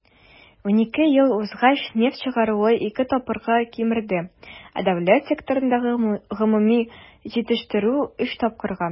12 ел узгач нефть чыгару ике тапкырга кимеде, ә дәүләт секторындагы гомуми җитештерү - өч тапкырга.